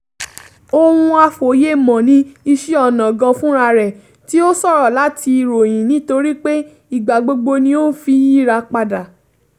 Ohun àfòyemọ̀ ni iṣẹ́ ọnà gan fúnra rẹ̀ tí ó ṣòro láti ròyìn nítorí pé ìgbà gbogbo ni ó fi ń yíra padà.